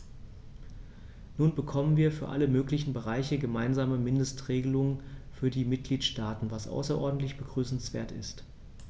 Nun bekommen wir für alle möglichen Bereiche gemeinsame Mindestregelungen für die Mitgliedstaaten, was außerordentlich begrüßenswert ist.